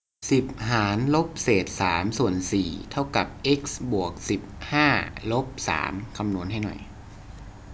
สิบหารลบเศษสามส่วนสี่เท่ากับเอ็กซ์บวกสิบห้าลบสามคำนวณให้หน่อย